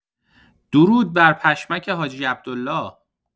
درود بر پشمک حاجی عبدالله